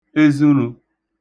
ezuṙū